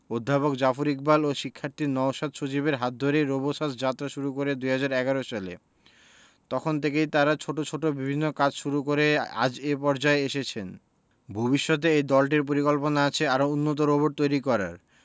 অধ্যাপক জাফর ইকবাল ও শিক্ষার্থী নওশাদ সজীবের হাত ধরে রোবোসাস্ট যাত্রা শুরু করে ২০১১ সালে তখন থেকেই তারা ছোট ছোট বিভিন্ন কাজ শুরু করে আজ এ পর্যায়ে এসেছেন ভবিষ্যতে এই দলটির পরিকল্পনা আছে আরও উন্নত রোবট তৈরি করার